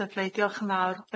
Lyfli diolch yn fawr.